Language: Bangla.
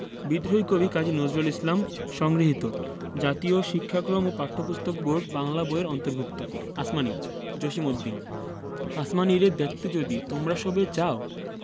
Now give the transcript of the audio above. বিদ্রোহী কবি কাজী নজরুল ইসলাম সংগৃহীত জাতীয় শিক্ষাক্রম ও পাঠ্যপুস্তক বোর্ড বাংলা বই এর অন্তর্ভুক্ত আসমানী জসিমউদ্দিন আসমানীরে দেখতে যদি তোমরা সবে চাও